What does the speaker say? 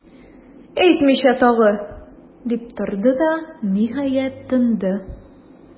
Әйтмичә тагы,- дип торды да, ниһаять, тынды.